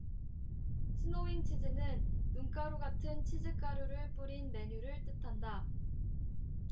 스노윙 치킨은 눈가루 같은 치즈 가루를 뿌린 메뉴를 뜻한다